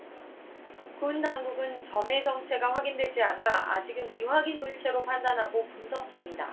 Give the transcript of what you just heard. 군 당국은 점의 정체가 확인되지 않아 아직은 미확인 물체로 판단하고 분석 중이다